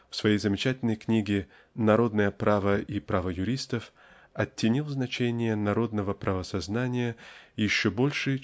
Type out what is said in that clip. в своей замечательной книге "Народное право и право юристов" оттенил значение народного правосознания еще больше